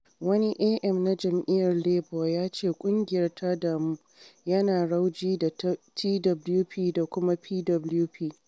Wani AM na Jam’iyyar Labour ya ce ƙungiyar ta damu "yana rauji da Twp da kuma Pwp."